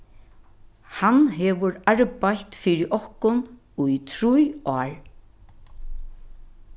hann hevur arbeitt fyri okkum í trý ár